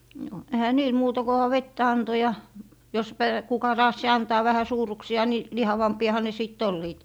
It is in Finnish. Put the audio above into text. no eihän niillä muuta kunhan vettä antoi ja jos - kuka raatsi antaa vähän suuruksia niin lihavampiahan ne sitten olivat